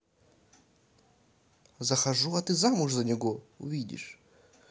захожу а ты замуж за него увидишь